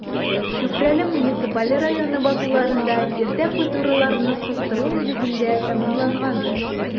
Чүпрәле муниципаль районы басуларында иртә культураларны суктыру нигездә тәмамланган.